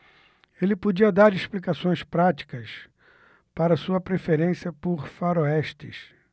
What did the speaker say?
ele podia dar explicações práticas para sua preferência por faroestes